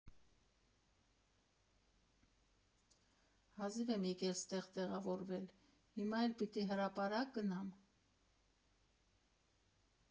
Հազիվ եմ եկել ստեղ տեղավորվել, հիմա էլ պիտի հրապարակ գնա՞մ։